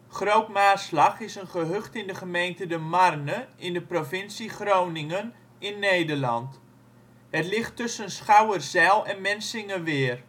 Groot Maarslag is een gehucht in de gemeente De Marne in de provincie Groningen, Nederland. Het ligt tussen Schouwerzijl en Mensingeweer